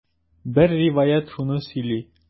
Бер риваять шуны сөйли.